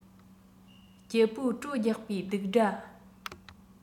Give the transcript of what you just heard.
སྐྱིད པོའི བྲོ རྒྱག པའི རྡིག སྒྲ